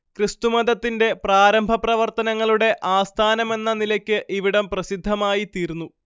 ക്രിസ്തുമതത്തിന്റെ പ്രാരംഭപ്രവർത്തനങ്ങളുടെ ആസ്ഥാനമെന്ന നിലയ്ക്ക് ഇവിടം പ്രസിദ്ധമായിത്തീർന്നു